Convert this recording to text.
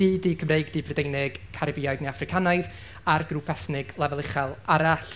Du, Du Cymreig, Du Brydeinig, Caribiaidd neu Africanaidd, a'r grŵp ethnig lefel uchel arall.